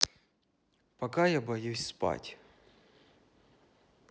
пока я боюсь спать